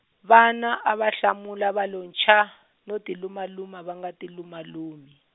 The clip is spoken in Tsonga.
vana a va hlamula va lo nchaa, no tilumaluma va nga tilumalumi.